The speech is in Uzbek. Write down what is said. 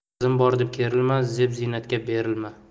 qizim bor deb kerilma zeb ziynatga berilma